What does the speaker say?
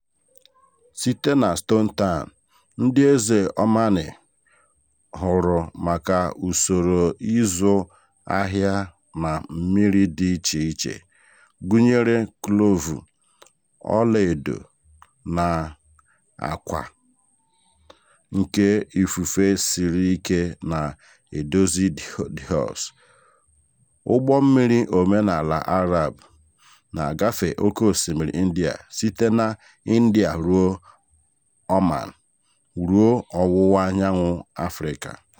Site na Stone Town, ndị eze Omani hụrụ maka usoro ịzụ ahịa na mmiri dị iche iche, gụnyere klovu, ọlaedo, na ákwà, nke ifufe siri ike na-edozi dhows — ụgbọmmiri omenaala Arab — na-agafe oke osimmiri India, site na India ruo Oman ruo Ọwụwa Anyanwụ Afịrịka.